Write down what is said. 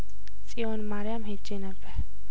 ጺዮን ማሪያም ሄጄ ነበር